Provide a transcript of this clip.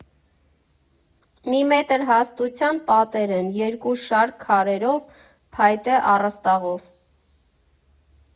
Մի մետր հաստության պատեր են, երկու շարք քարերով, փայտե առաստաղով։